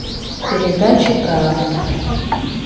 передачи про авто